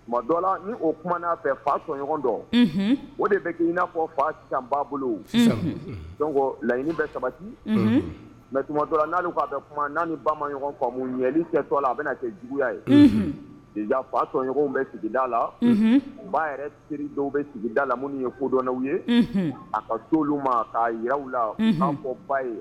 Tuma dɔ la ni o kuma n'a fɛ fa sonɲɔgɔn dɔn o de bɛ k'i n'a fɔ fa san ba bolo layiɲiniini bɛ sabati mɛ tumatɔ la'a k'a bɛ kuma n ni ba ɲɔgɔn ɲɛli cɛ tɔ la a bɛna na kɛ juguya ye de fa sonɔgɔ bɛ tigida la u b'a yɛrɛ teri dɔw bɛ tigida la minnu ye kodɔnnaw ye a ka cogo ma k'a yiw la fanba ye